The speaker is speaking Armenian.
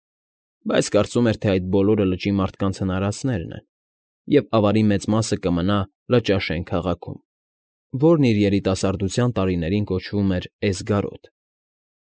Բայց կարծում էր, թե այդ բոլորը լճի մարդկանց հնարածներն են, և ավարի մեծ մասը կմնա Լճաշեն քաղաքում, որն իր երիտասարդության տարիներին կոչվում էր Էսգարոտ։